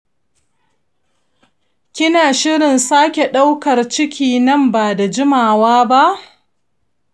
kina shirin sake ɗaukar ciki nan ba da jimawa ba?